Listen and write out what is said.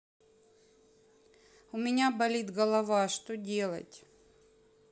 у меня болит голова что делать